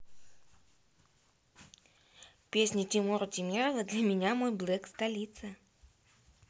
песня тимура темирова для меня мой black столица